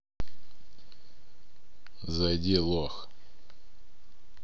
зайди лох